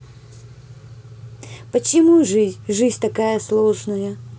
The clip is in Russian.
почему жизнь жизнь такая сложная